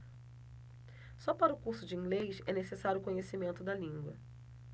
só para o curso de inglês é necessário conhecimento da língua